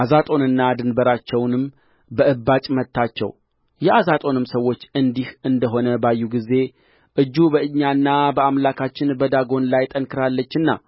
አዛጦንንና ድንበራቸውንም በእባጭ መታቸው የአዛጦንም ሰዎች እንዲህ እንደ ሆነ ባዩ ጊዜ እጁ በእኛና በአምላካችን በዳጎን ላይ ጠንክራለችና